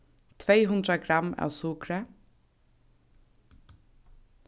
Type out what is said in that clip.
tvey hundrað gramm av sukri